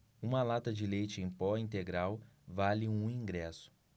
uma lata de leite em pó integral vale um ingresso